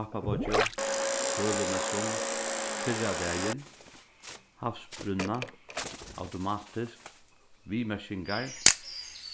pápabeiggi sølumessum fyrradagin havsbrúnna automatiskt viðmerkingar